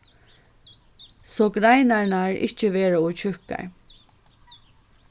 so greinarnar ikki verða ov tjúkkar